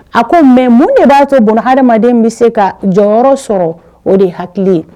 A ko mais mun de b'a to bun adamaden bɛ se ka jɔyɔrɔ sɔrɔ o de ye hakili ye